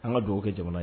An ka dugawu kɛ jamana ye